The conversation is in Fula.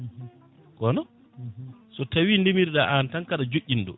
kono so tawi ndemirɗa an tan kaɗa joƴina ɗo